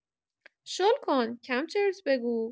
شل کن کم چرت بگو.